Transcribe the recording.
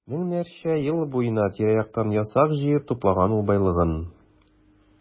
Меңнәрчә еллар буена тирә-яктан ясак җыеп туплаган ул байлыгын.